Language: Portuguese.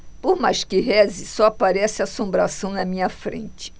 por mais que reze só aparece assombração na minha frente